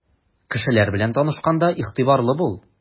Кешеләр белән танышканда игътибарлы бул.